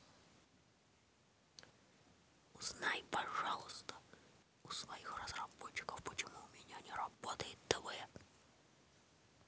узнай пожалуйста у своих разработчиков почему у меня не работает тв